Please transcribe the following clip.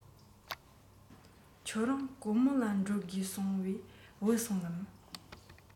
ཁྱོད རང གོར མོ ལ འགྲོ དགོས གསུངས པས བུད སོང ངམ